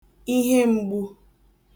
ihem̀gbu